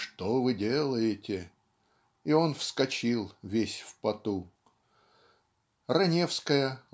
"Что вы делаете?" - и он вскочил весь в поту. " Раневская